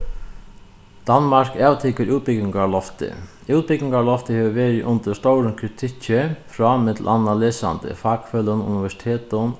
danmark avtekur útbúgvingarloftið útbúgvingarloftið hevur verið undir stórum kritikki frá millum annað lesandi fakfeløgum universitetum